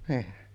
niin